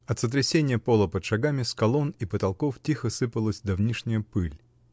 От сотрясения пола под шагами с колонн и потолков тихо сыпалась давнишняя пыль